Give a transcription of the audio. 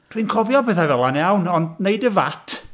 Dwi'n cofio pethau fel 'na yn iawn... ond wneud y VAT...